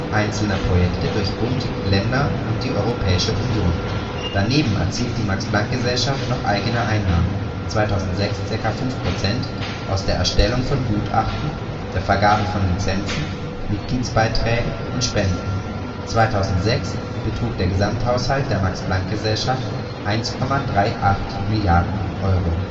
einzelner Projekte durch Bund, Länder und die Europäische Union. Daneben erzielt die Max-Planck-Gesellschaft noch eigene Einnahmen (2006: ca. 5 %) aus der Erstellung von Gutachten, der Vergabe von Lizenzen, Mitgliedsbeiträgen und Spenden. 2006 betrug der Gesamthaushalt der Max-Planck-Gesellschaft 1,38 Milliarden Euro